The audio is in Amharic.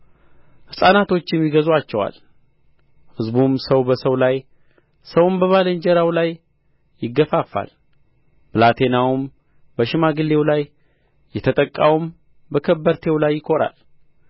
ሕፃናቶችም ይገዙአቸዋል ሕዝቡም ሰው በሰው ላይ ሰውም በባልንጀራው ላይ ይገፋፋል ብላቴናውም በሽማግሌው ላይ የተጠቃውም በከበርቴው ላይ ይኰራል